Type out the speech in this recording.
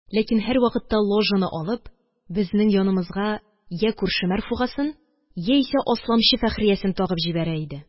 Ләкин һәрвакытта ложаны алып, безнең янымызга йә күрше Мәрфугасын, яисә асламчы Фәхриясен тагып җибәрә иде.